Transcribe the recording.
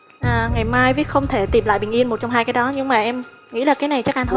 ngày mai với không thể tìm lại bình yên một trong hai cái đó nhưng mà em nghĩ là cái này chắc ăn hơn